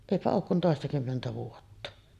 eipä ole kuin toistakymmentä vuotta